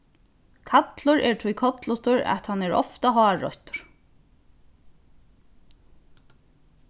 kallur er tí kollutur at hann er ofta hárroyttur